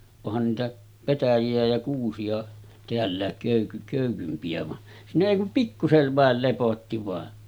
onhan niitä petäjiä ja kuusia täälläkin - köykympiä vaan siinä ei kuin pikkuisen vain lepotti vain